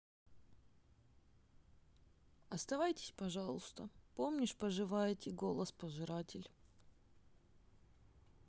оставайтесь пожалуйста помнишь поживаете голос пожиратель